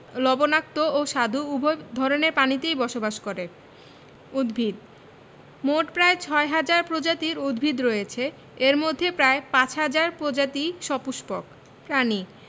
লবণাক্ত ও স্বাদু উভয় ধরনের পানিতেই বসবাস করে উদ্ভিদঃ মোট প্রায় ৬ হাজার প্রজাতির উদ্ভিদ রয়েছে এর মধ্যে প্রায় ৫ হাজার প্রজাতি সপুষ্পক প্রাণীঃ